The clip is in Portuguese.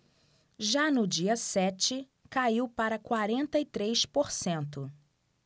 já no dia sete caiu para quarenta e três por cento